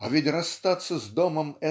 а ведь расстаться с домом